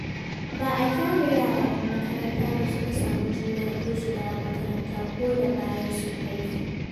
Ba a ƙyale yara 'yan makaranta da suka samu juna biyu su dawo makaranta ko da bayan sun haihu.